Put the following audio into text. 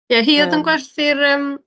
Ie, hi oedd yn... yym. ...gwerthu'r, yym...